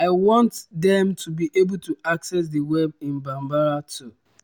I want them to be able to access the web in Bambara too.